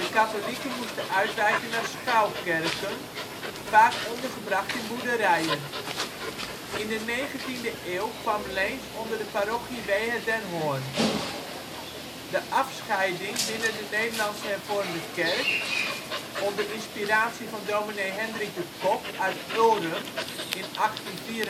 katholieken moesten uitwijken naar schuilkerken, vaak ondergebracht in boerderijen. In de 19e eeuw kwam Leens onder de parochie Wehe den Hoorn. De Afscheiding binnen de Nederlandse Hervormde Kerk, onder inspiratie van dominee Hendrik de Cock uit Ulrum in 1834